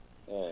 eeyi